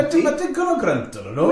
Ma digon o grunt arnyn nhw?